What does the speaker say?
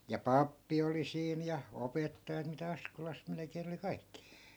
ja pappi oli siinä ja opettajat mitä Askolassa melkein oli kaikki